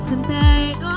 đương